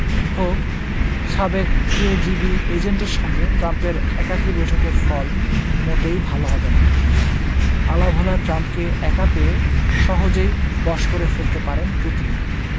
হোক সাবেক কেজিবি এজেন্টের সঙ্গে ট্রাম্পের একাকী বৈঠকের ফল মোটেই ভালো হবে না আলাভোলা ট্রাম্পকে একা পেয়ে সহজেই বশ করে ফেলতে পারেন পুতিন